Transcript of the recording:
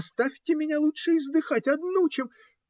Оставьте меня лучше издыхать одну, чем.